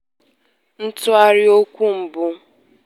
Ntụgharị okwu mbụ